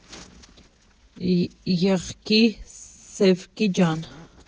Էզկի Սէվկի Զան։